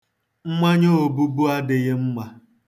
Mmanya obubu adịghị mma.